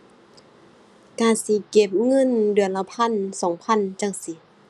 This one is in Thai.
ก็อาจสิเก็บเงินเดือนละพันสองพันจั่งซี้